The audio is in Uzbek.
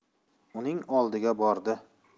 uning oldiga bordi